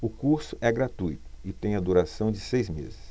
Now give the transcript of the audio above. o curso é gratuito e tem a duração de seis meses